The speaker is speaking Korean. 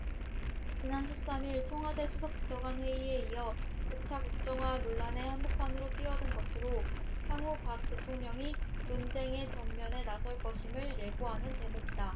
지난 십 삼 일 청와대 수석비서관회의에 이어 재차 국정화 논란의 한복판으로 뛰어든 것으로 향후 박 대통령이 논쟁의 전면에 나설 것임을 예고하는 대목이다